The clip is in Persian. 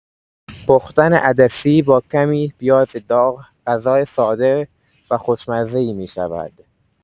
پختن عدسی با کمی پیاز داغ، غذای ساده و خوشمزه‌ای می‌شود.